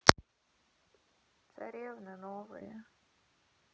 царевны новые